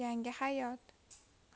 yangi hayot